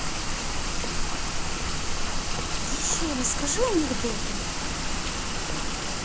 еще расскажи анекдоты